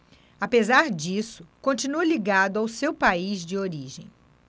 apesar disso continua ligado ao seu país de origem